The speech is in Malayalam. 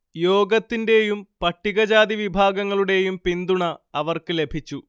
യോഗത്തിന്റെയും പട്ടികജാതി വിഭാഗങ്ങളുടെയും പിന്തുണ അവർക്ക് ലഭിച്ചു